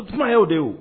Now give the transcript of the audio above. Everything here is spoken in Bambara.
Kuma yew de ye